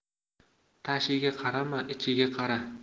tashiga qarama ichiga qara